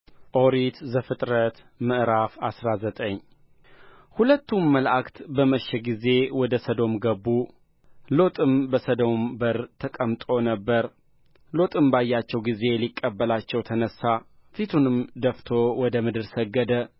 ኦሪት ዘፍጥረት ምዕራፍ አስራ ዘጠኝ ሁለቱም መላእክት በመሸ ጊዜ ወደ ሰዶም ገቡ ሎጥም በሰዶም በር ተቀምጦ ነበር ሎጥም ባያቸው ጊዜ ሊቀበላቸው ተነሣ ፊቱንም ደፍቶ ወደ ምድር ሰገደ